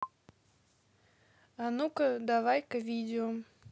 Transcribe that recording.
а ну ка давай ка видео